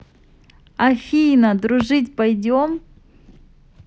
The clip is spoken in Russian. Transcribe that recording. афина дружить пойдем